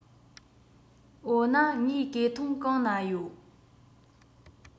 འོ ན ངའི གོས ཐུང གང ན ཡོད